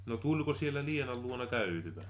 no tuliko siellä Leenan luona käytyä